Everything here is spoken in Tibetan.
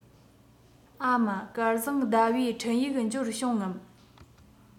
ཨ མ སྐལ བཟང ཟླ བའི འཕྲིན ཡིག འབྱོར བྱུང ངམ